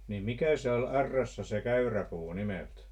niin mikä se oli aurassa se käyrä puu nimeltä